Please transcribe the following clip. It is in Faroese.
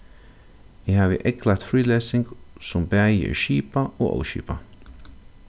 eg havi eygleitt frílesing sum bæði er skipað og óskipað